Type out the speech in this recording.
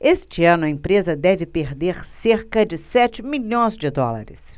este ano a empresa deve perder cerca de sete milhões de dólares